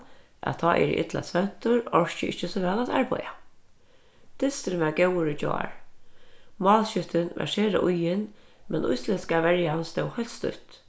at tá eg eri illa svøvntur orki eg ikki so væl at arbeiða dysturin var góður í gjár málskjúttin var sera íðin men íslendska verjan stóð heilt stútt